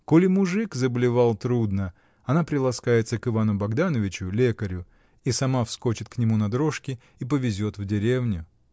Коли мужик заболевал трудно, она приласкается к Ивану Богдановичу, лекарю, и сама вскочит к нему на дрожки и повезет в деревню.